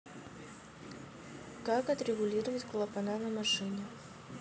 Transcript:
как отрегулировать клапана на машине